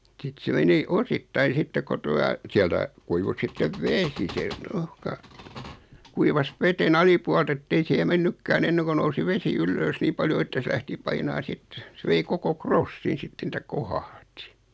sitten se meni osittain sitten kun tuota sieltä kuivui sitten vesi se ruuhka kuivasi veden alipuolelta että ei siihen mennytkään ennen kuin nousi vesi ylös niin paljon että se lähti painamaan sitten se vei koko krossin sitten että kohahti